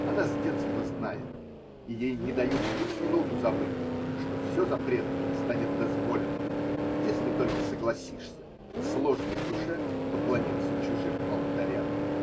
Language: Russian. Она с детства знает – и ей не дают ни на минуту забыть, – что все запретное станет дозволенным, если только согласишься, с ложью в душе, поклониться чужим алтарям.